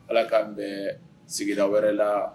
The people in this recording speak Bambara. Ala k'an bɛ sigira wɛrɛ la